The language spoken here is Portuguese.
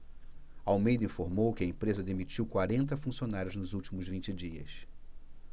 almeida informou que a empresa demitiu quarenta funcionários nos últimos vinte dias